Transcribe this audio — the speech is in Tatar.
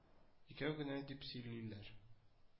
Икәү генә дип сөйлиләр